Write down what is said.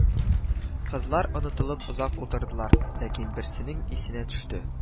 Кызлар онытылып озак утырдылар, ләкин берсенең исенә төште: